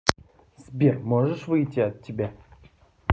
сбер можешь выйти от тебя